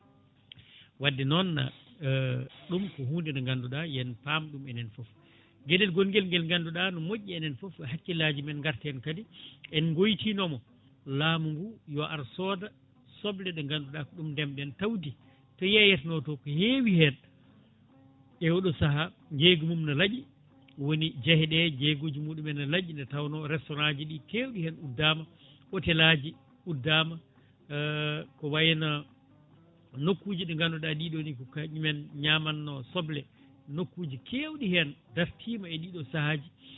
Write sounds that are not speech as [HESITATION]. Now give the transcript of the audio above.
wadde noon [HESITATION] ɗum ko hunde nde ganduɗa yen paam ɗum enen foof gueɗel gonguel nguel ganduɗa no moƴƴi enen foof hakkillaji men gartahen kadi en goytinoma laamu ngu yo ar sooda soble ɗe ganduɗa ko ɗum ndemɗen tawde to yeeyetenoto ko hewi hen e oɗo saaha jeeygu mum no laaƴi woni jaaheɗe jeyguji muɗumen ne laaƴi nde tawno restaurant ji ɗi kewɗi hen uddama hôtel aji uddama [HESITATION] ko wayno nokkuji ɗi ganduɗa ɗiɗo ni ko kañum en ñamanno soble nokkuji kewɗi hen dartima e ɗiɗo sahaji